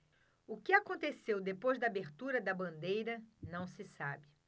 o que aconteceu depois da abertura da bandeira não se sabe